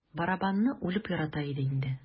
Барабанны үлеп ярата иде инде.